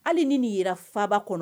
Hali ni nin yera faba kɔnɔ